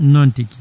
noon tigui